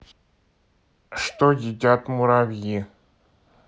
что едят муравьи